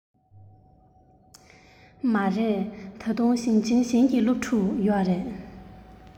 མ རེད ད དུང ཞིང ཆེན གཞན གྱི སློབ ཕྲུག ཡོད རེད